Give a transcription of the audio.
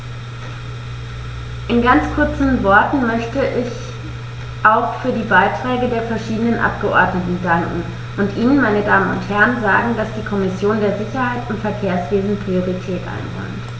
In ganz kurzen Worten möchte ich auch für die Beiträge der verschiedenen Abgeordneten danken und Ihnen, meine Damen und Herren, sagen, dass die Kommission der Sicherheit im Verkehrswesen Priorität einräumt.